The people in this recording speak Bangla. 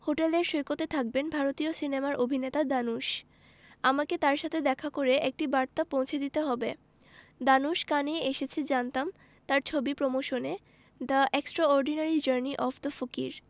হোটেলের সৈকতে থাকবেন ভারতীয় সিনেমার অভিনেতা ধানুশ আমাকে তার সাথে দেখা করে একটি বার্তা পৌঁছে দিতে হবে ধানুশ কানে এসেছে জানতাম তার ছবির প্রমোশনে the extraordinary journey of the Fakir